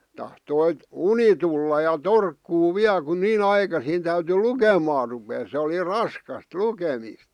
tahtoi uni tulla ja torkkua vielä kun niin aikaisin täytyi lukemaan ruveta se oli raskasta lukemista